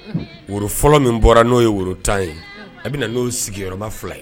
Woro fɔlɔ min bɔra n'o ye woro tan ye a bɛ na n'o sigiyɔrɔ fila ye